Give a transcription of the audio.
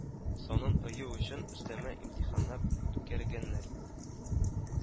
Санын ыю өчен өстәмә имтиханнар үткәргәннәр